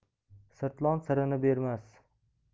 sirtlon sirini bermas